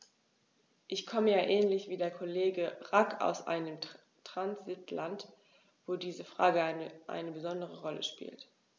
Ich komme ja ähnlich wie der Kollege Rack aus einem Transitland, wo diese Frage eine besondere Rolle spielt.